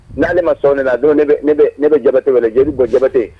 N'ale ma sɔn ne la don ne bɛ jabatɛ wɛrɛ jeli bɔ jabate